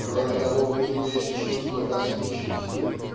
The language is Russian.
Кроме того, у него есть чувство космичности